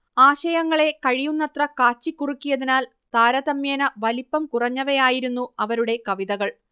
ആശയങ്ങളെ കഴിയുന്നത്ര കാച്ചിക്കുറുക്കിയതിനാൽ താരതമ്യേന വലിപ്പം കുറഞ്ഞവയായിരുന്നു അവരുടെ കവിതകൾ